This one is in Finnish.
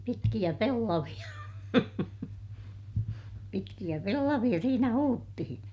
pitkiä pellavia pitkiä pellavia siinä huudettiin